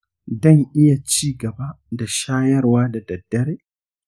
dan iya cigaba da shayarwa da daddare